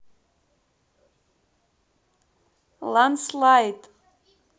lance lied